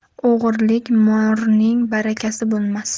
o'g'irlik morning barakasi bo'lmas